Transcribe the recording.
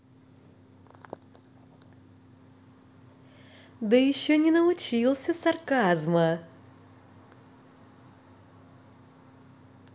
да еще не научился сарказма